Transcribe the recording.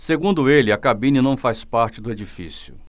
segundo ele a cabine não faz parte do edifício